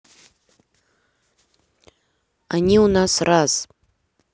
они у нас раз